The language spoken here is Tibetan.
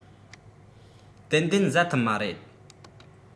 ཏན ཏན བཟའ ཐུབ མ རེད